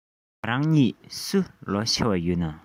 ང རང གཉིས སུ ལོ ཆེ བ ཡོད ན